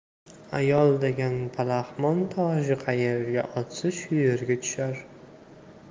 ayol degan palaxmon toshi qayerga otsa shu yerga tushar